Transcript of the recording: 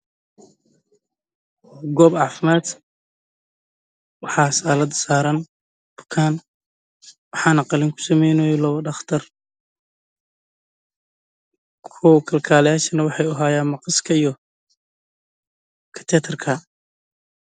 Waa isbitaalka qof ayaa ka qalayaa